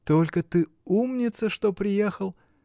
Только ты умница, что приехал.